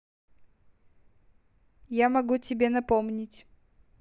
я могу тебе напомнить